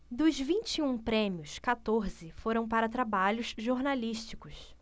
dos vinte e um prêmios quatorze foram para trabalhos jornalísticos